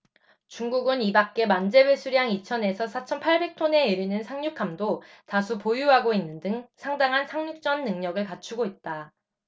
중국은 이밖에 만재배수량 이천 에서 사천 팔백 톤에 이르는 상륙함도 다수 보유하고 있는 등 상당한 상륙전 능력을 갖추고 있다